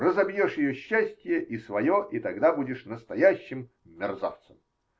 Разобьешь ее счастье и свое и тогда будешь настоящим мерзавцем.